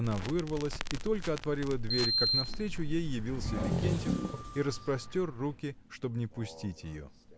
она вырвалась, и только отворила дверь, как навстречу ей явился Викентьев и распростер руки, чтоб не пустить ее.